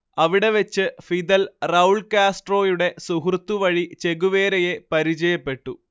അവിടെ വെച്ച് Fidel Raul കാസ്ട്രോയുടെ സുഹൃത്തു വഴി ചെഗുവേരയെ പരിചയപ്പെട്ടു